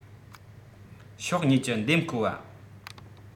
ཕྱོགས གཉིས གྱི འདེམས སྐོ བ